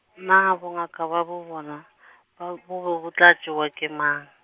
na, bongaka ba bo bona , b a, bo be bo tla, tšewa ke mang?